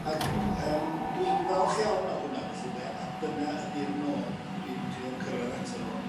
ag yym dwi'n falch iawn o hwnna felly ynde a dyna ydi'r nod dwi'n trio cyrradd ato fo